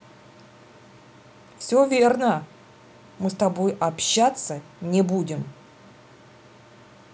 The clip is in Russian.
все верно мы с тобой общаться не будем